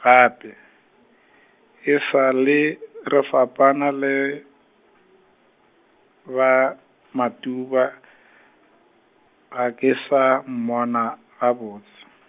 gape, e sa le re fapana le, ba Matuba , ga ke sa mmona gabotse.